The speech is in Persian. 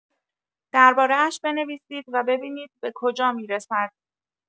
درباره‌اش بنویسید و ببینید به کجا می‌رسد.